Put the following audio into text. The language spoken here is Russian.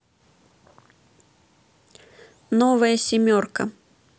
новая семерка